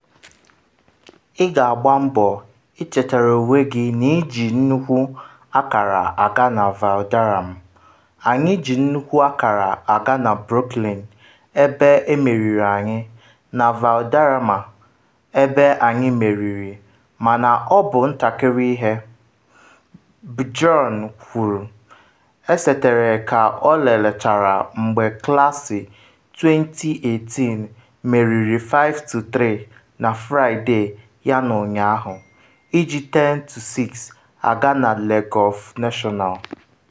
“Ị ga-agba mbọ ichetere onwe gị n’iji nnukwu akara aga na Valderrama; anyị ji nnukwu akara aga na Brookline, ebe emeriri anyi, na Valderrama ebe anyị meriri mana ọ bụ ntakịrị ihe,” Bjorn kwuru, esetere ka elelechara mgbe Klaasị 2018 meriri 5-3 na Fraịde yana ụnyahụ, iji 10-6 aga na Le Golf National.